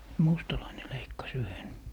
mustalainen leikkasi yhden